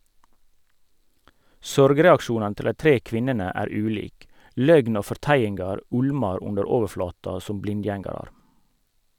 Sorgreaksjonane til dei tre kvinnene er ulik, løgn og forteiingar ulmar under overflata som blindgjengarar.